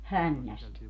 hännästä